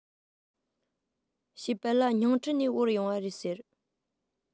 བཤད པ ལ ཉིང ཁྲི ནས དབོར ཡོང བ རེད ཟེར